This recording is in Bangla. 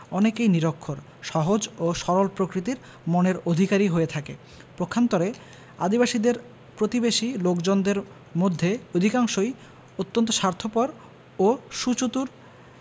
অনেকেই নিরক্ষর সহজ ও সরল প্রকৃতির মনের অধিকারী হয়ে থাকে পক্ষান্তরে আদিবাসীদের প্রতিবেশী লোকজনদের মধ্যে অধিকাংশই অত্যন্ত স্বার্থপর ও সুচতুর